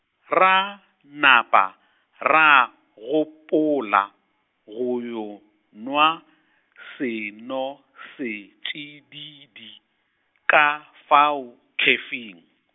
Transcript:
ra, napa, ra, gopola, go yo, nwa, senosetšididi, ka fao, khefing.